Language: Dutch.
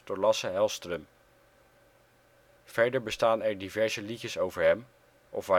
Lasse Hallström. Verder bestaan er diverse liedjes over hem, of